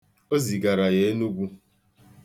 O zigara ya Enugwu.